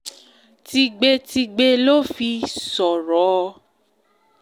”Tígbetigbe ló fi sọ̀rọ̀”?